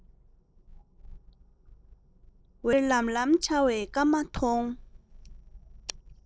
འོད ཟེར ལམ ལམ འཚེར བའི སྐར མ མཐོང